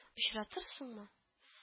Очратырсыңмы